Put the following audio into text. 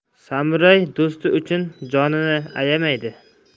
samuray do'sti uchun jonini ayamaydi